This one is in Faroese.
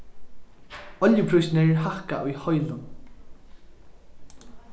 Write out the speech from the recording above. oljuprísirnar hækka í heilum